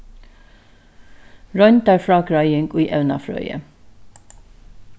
royndarfrágreiðing í evnafrøði